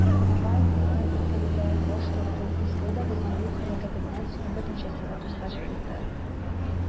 Навальныйга теркәлүдә баш тарту Мәскәүдә булган юл һәлакәтеннән соң берничә сәгать узгач булды.